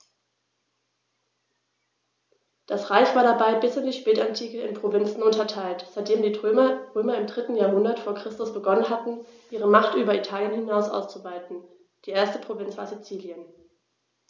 Das Reich war dabei bis in die Spätantike in Provinzen unterteilt, seitdem die Römer im 3. Jahrhundert vor Christus begonnen hatten, ihre Macht über Italien hinaus auszuweiten (die erste Provinz war Sizilien).